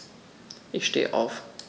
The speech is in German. Ich stehe auf.